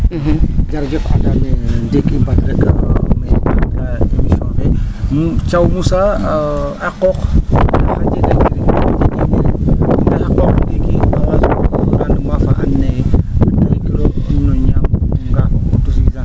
Thiaw Moussa a qooq diiki